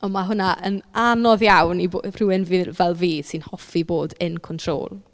Ond ma' hwnna yn anodd iawn i b- i rhywun fel fi sy'n hoffi bod in control.